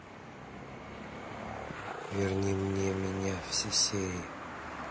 верни мне меня все серии